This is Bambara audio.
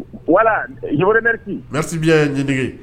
Voila je vous remerci. Merci bien Yedige.